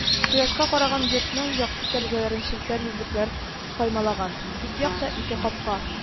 Кояшка караган йортның якты тәрәзәләрен челтәр йөзлекләр каймалаган. Ике якта ике капка